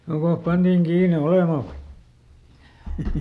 joko pantiin kiinni olemaan vai